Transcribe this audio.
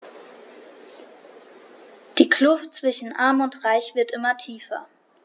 Die Kluft zwischen Arm und Reich wird immer tiefer.